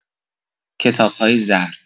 کتاب‌های زرد